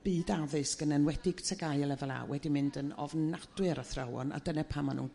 byd addysg yn enwedig TGAU a lefel A wedi mynd yn ofnadwy ar athrawon a dyne pam ma' nhw'n